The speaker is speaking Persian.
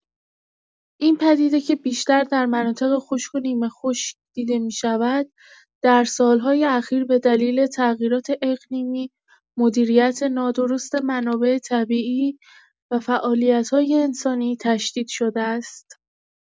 این پدیده که بیشتر در مناطق خشک و نیمه‌خشک دیده می‌شود، در سال‌های اخیر به دلیل تغییرات اقلیمی، مدیریت نادرست منابع طبیعی و فعالیت‌های انسانی تشدید شده است.